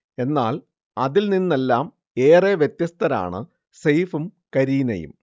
എന്നാൽ, അതിൽ നിന്നെല്ലാം ഏറെ വ്യത്യസ്തരാണ് സെയ്ഫും കരീനയും